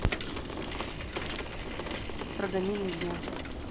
строганина из мяса